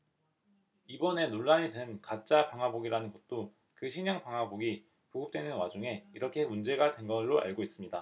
이번에 논란이 된 가짜 방화복이라는 것도 그 신형 방화복이 보급되는 와중에 이렇게 문제가 된 걸로 알고 있습니다